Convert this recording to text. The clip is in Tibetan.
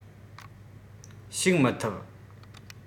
ཞུགས མི ཐུབ